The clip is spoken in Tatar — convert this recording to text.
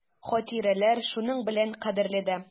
Хатирәләр шуның белән кадерле дә.